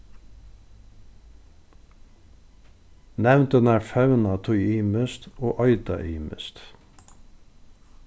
nevndirnar fevna tí ymiskt og eita ymiskt